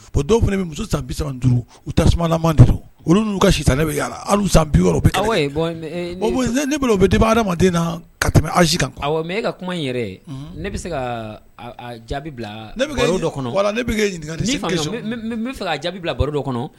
O dɔw fana muso san bisa duuru u ta tasuma de don olu n'u ka si ne bɛ san ne bɛba ha adama na ka tɛmɛ aliz kan ne ka kuma in yɛrɛ ne bɛ se ka jaabi ne kɔnɔ wa ne bɛ ɲininka fɛ ka jaabi bila baro dɔ kɔnɔ